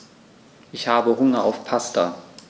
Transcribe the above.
Ich habe Hunger auf Pasta.